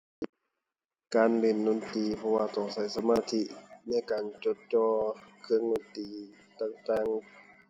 การเล่นดนตรีเพราะว่าต้องใช้สมาธิ ในการจดจ่อเครื่องดนตรีต่างต่าง